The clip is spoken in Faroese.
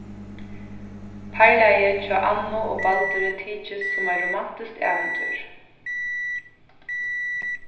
parlagið hjá annu og balduri tykist sum eitt romantiskt ævintýr